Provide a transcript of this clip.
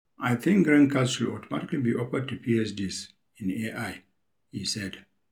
"I think green cards should automatically be offered to PhD's in AI," he said.